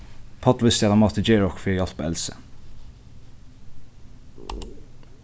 páll visti at hann mátti gera okkurt fyri at hjálpa elsu